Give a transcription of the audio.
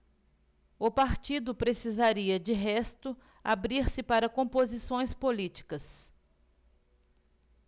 o partido precisaria de resto abrir-se para composições políticas